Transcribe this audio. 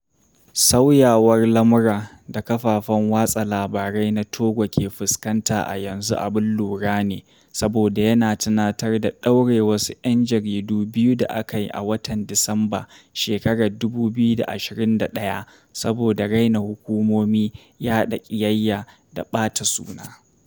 Sauyawar lamura da kafafen watsa labarai na Togo ke fuskanta a yanzu abin lura ne, saboda yana tunatar da daure wasu yan jaridu biyu da akai a watan Disambar shekarar 2021, saboda raina hukumomi, yaɗa kiyayya da ɓata suna.